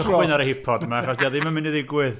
Cychwyn ar y hip pod 'ma achos dydy o ddim yn mynd i ddigwydd.